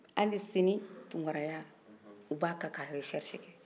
hali sini tunkaraya u b' a kan ka resɛrisi kɛ